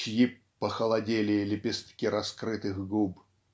чьи "похолодели лепестки раскрытых губ"